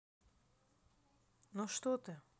ну что ты